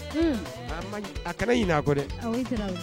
A kana ɲinɛ a kɔ dɛ, ɔ i Tarawele